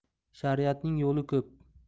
shariatning yo'li ko'p